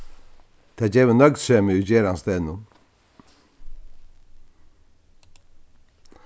tað gevur nøgdsemi í gerandisdegnum